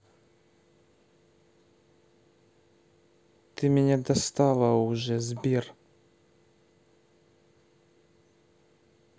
ты меня достала уже сбер